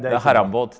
det er harambåt.